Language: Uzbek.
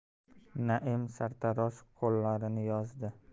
naim sartarosh qo'llarini yozdi